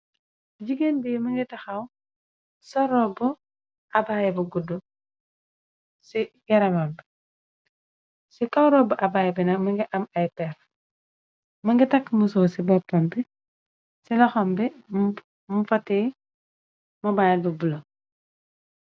jigéen bi mëngi taxaw sor robb abaaye bu gudd ci garamam bi ci kaw robb abaay bina mëngi am ay pef mëngi takk muso ci boppombi ci loxam bi mu fati mu maay lubblo